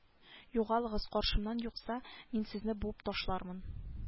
Югалыгыз каршымнан юкса мин сезне буып ташлармын